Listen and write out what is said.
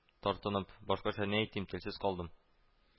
Тартынып. башкача ни әйтим, телсез калдым